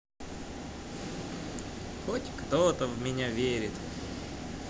хоть кто то в меня верит